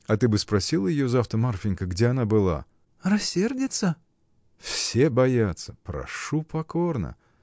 — А ты бы спросила ее завтра, Марфинька, где она была. — Рассердится! — Все боятся, прошу покорно!